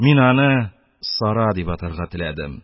Мин аны "Сара" дип атарга теләдем.